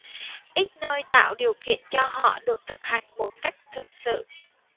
ít nơi tạo điều kiện cho họ được thực hành một cách thực sự